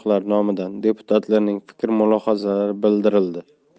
guruhlari nomidan deputatlarning fikr mulohazalari bildirildi